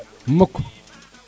mukk